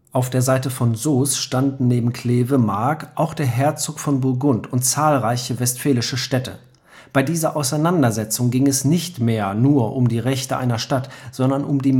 Auf der Seite von Soest standen neben Kleve/Mark auch der Herzog von Burgund und zahlreiche westfälische Städte. Bei dieser Auseinandersetzung ging es nicht mehr nur um die Rechte einer Stadt, sondern um die